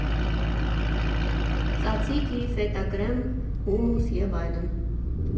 Ձաձիկի, ֆետա կրեմ, հումուս և այլն։